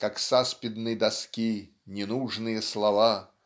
Как с аспидной доски ненужные слова